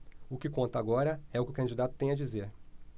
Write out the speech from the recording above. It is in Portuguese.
o que conta agora é o que o candidato tem a dizer